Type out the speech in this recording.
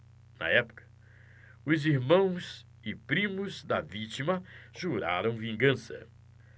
na época os irmãos e primos da vítima juraram vingança